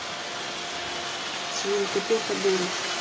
свинка пеппа дура